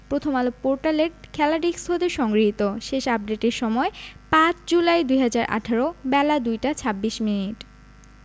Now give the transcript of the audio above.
প্রথমআলো পোর্টালের খেলা ডেস্ক হতে সংগৃহীত শেষ আপডেটের সময় ৫ জুলাই ২০১৮ বেলা ২টা ২৬মিনিট